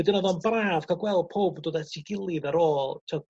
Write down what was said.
wadyn oddo'n braf ca'l gweld powb yn dod et'i gilydd ar ôl t'od